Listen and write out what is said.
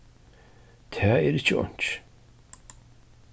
tað er ikki einki